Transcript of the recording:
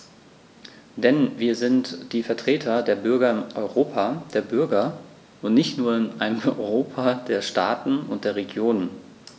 Denn wir sind die Vertreter der Bürger im Europa der Bürger und nicht nur in einem Europa der Staaten und der Regionen.